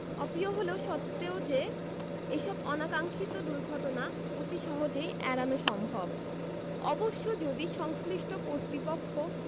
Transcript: অপ্রিয় হলেও সত্ত্বেও যে এসব অনাকাক্সিক্ষত দুর্ঘটনা অতি সহজেই এড়ানো সম্ভব অবশ্য যদি সংশ্লিষ্ট কর্তৃপক্ষ